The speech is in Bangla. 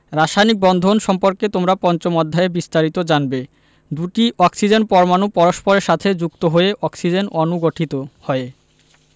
রাসায়নিক বন্ধন সম্পর্কে তোমরা পঞ্চম অধ্যায়ে বিস্তারিত জানবে দুটি অক্সিজেন পরমাণু পরস্পরের সাথে যুক্ত হয়ে অক্সিজেন অণু গঠিত হয়